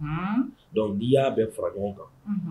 Donc ni ya bɛɛ fara ɲɔgɔn kan